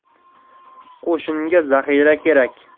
qo'shinga zaxira kerak